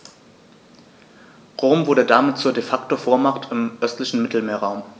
Rom wurde damit zur ‚De-Facto-Vormacht‘ im östlichen Mittelmeerraum.